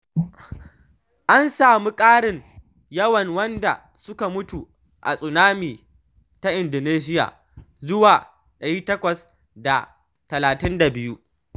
An sami ƙarin yawan wanda suka mutu a tsunami ta Indonesiya zuwa 832